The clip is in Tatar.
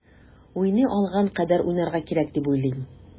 Уйный алган кадәр уйнарга кирәк дип уйлыйм.